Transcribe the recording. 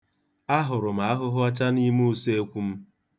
Ahụrụ m ahụhụọcha n'ime useekwu m.